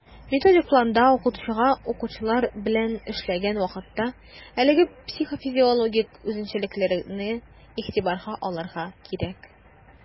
Методик планда укытучыга, укучылар белән эшләгән вакытта, әлеге психофизиологик үзенчәлекләрне игътибарга алырга кирәк.